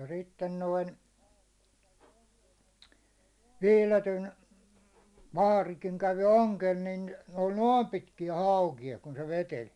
ja sitten noin Viiletyn vaarikin kävi ongella niin ne oli noin pitkiä haukia kun se veteli